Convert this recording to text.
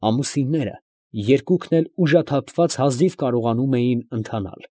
Ամուսինները երկուքն էլ ուժաթափված հազիվ կարողանում էին ընթանալ։